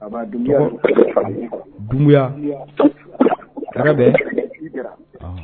Ya